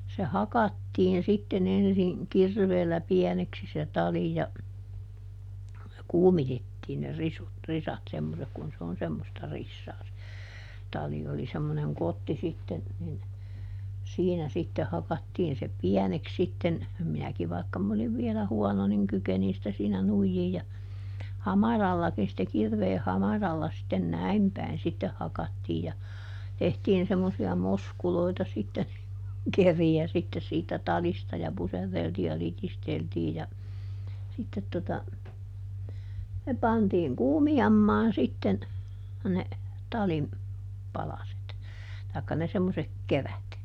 se hakattiin sitten ensin kirveellä pieneksi se tali ja kuumitettiin ne risut risat semmoiset kun se on semmoista risaa se tali oli semmoinen kotti sitten niin siinä sitten hakattiin se pieneksi sitten minäkin vaikka minä olin vielä huono niin kykenin sitä siinä nuijia ja hamarallakin sitten kirveen hamaralla sitten näin päin sitten hakattiin ja tehtiin semmoisia moskuloita sitten niin kuin keriä sitten siitä talista ja puserreltiin ja litisteltiin ja sitten tuota ne pantiin kuumiamaan sitten ne talin palaset tai ne semmoiset kerät